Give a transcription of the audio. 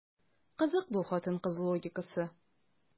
Кызык бу хатын-кыз логикасы.